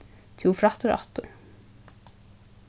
tú frættir aftur